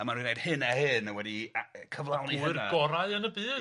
A ma' nw'n neud hyn a hyn a wedi a- cyflawni hynna. Gŵyr gorau yn y byd.